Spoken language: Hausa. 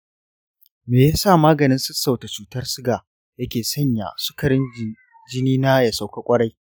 me yasa maganin sassauta cutar suga ya ke sanya sukarin jinina ya sauka ƙwarai?